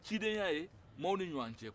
cidenya ye maaw ni ɲɔɔn cɛ